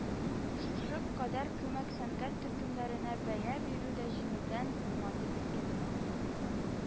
Шушы кадәр күмәк сәнгать төркемнәренә бәя бирү дә җиңелдән булмады, билгеле